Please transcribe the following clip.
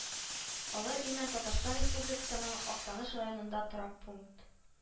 Олы имән Татарстан Республикасының Актаныш районындагы торак пункт